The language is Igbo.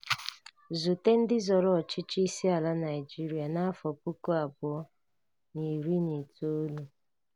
Zùté ndị zọrọ ọchịchị isi ala Naịjirịa na 2019.